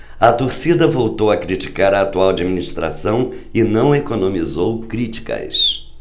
a torcida voltou a criticar a atual administração e não economizou críticas